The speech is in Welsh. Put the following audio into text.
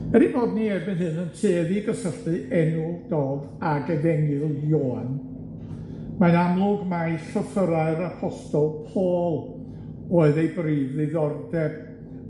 Er 'in fod ni erbyn hyn yn tueddu i gysylltu enw Dodd ag efengyl Ioan mae'n amlwg mai llythyrau'r Apostol Paul oedd ei brif ddiddordeb